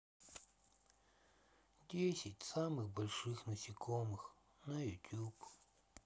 десять самых больших насекомых на ютуб